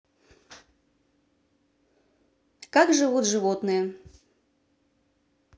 как живут животные